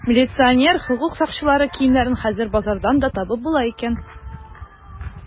Милиционер, хокук сакчылары киемнәрен хәзер базардан да табып була икән.